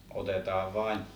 otetaan vain